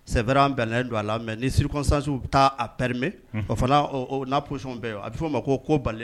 Sɛbɛ an bɛnnen don a la mɛ ni siriksansiw bɛ taa apɛreme o fana n' psɔnɔn bɛɛ yen a bɛ f' ma ko bali